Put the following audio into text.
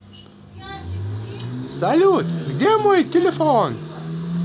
салют где мой телефон